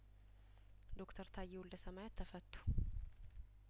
ዶክተር ታዬ ወልደሰማያት ተፈቱ